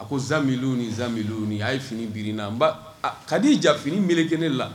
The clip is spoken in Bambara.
A ko zana milil ni zana miliw ni a ye fini bi na n ba ka di fini mk ne la